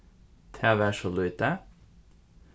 tað var so lítið